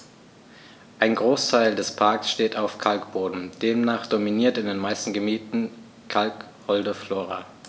Ein Großteil des Parks steht auf Kalkboden, demnach dominiert in den meisten Gebieten kalkholde Flora.